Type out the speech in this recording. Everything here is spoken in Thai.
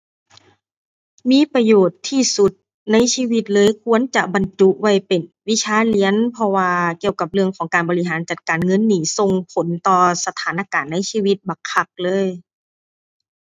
มีประโยชน์ที่สุดในชีวิตเลย ควรจะบรรจุไว้เป็นวิชาเรียน เพราะว่าเกี่ยวกับเรื่องของการบริหารจัดการเงินนี่ส่งผลต่อสถานการณ์ในชีวิตบักคักเลย